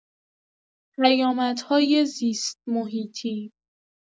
پیامدهای زیست‌محیطی